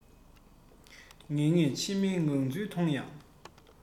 ངེས ངེས འཆི བའི ངང ཚུལ མཐོང ཡང